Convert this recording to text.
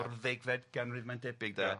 o'r ddegfed ganrif mae'n debyg 'de... Ia...